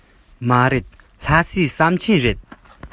མ རེད ལྷ སའི ཟམ ཆེན རེད